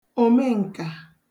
òmeǹkà